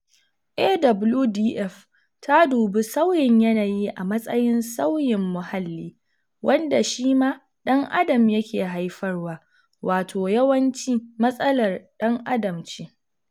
AWDF ta dubi sauyin yanayi a matsayin sauyin muhalli, wanda shi ma ɗan adam yake haifarwa, wato yawanci matsalar ɗan adam ce.